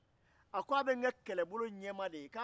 a ko a bɛ n kɛ kɛlɛbolo ɲɛmaa de ye